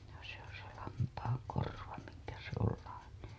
no se on se lampaan korva minkä se on lainen